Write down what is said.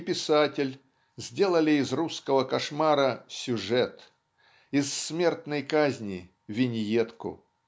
и писатель сделали из русского кошмара сюжет из смертной казни виньетку.